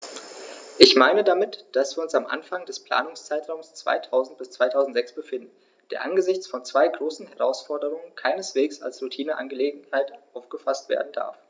Ich meine damit, dass wir uns am Anfang des Planungszeitraums 2000-2006 befinden, der angesichts von zwei großen Herausforderungen keineswegs als Routineangelegenheit aufgefaßt werden darf.